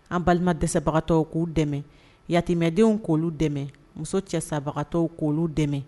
An balima dɛsɛbagatɔw k'u dɛmɛ yatimɛdenw k'olu dɛmɛ muso cɛsabagatɔw k'olu dɛmɛ